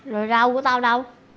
rồi rau của tao đâu